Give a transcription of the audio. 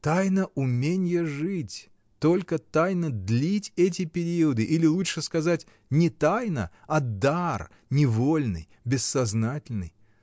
Тайна уменья жить — только тайна длить эти периоды, или, лучше сказать, не тайна, а дар, невольный, бессознательный.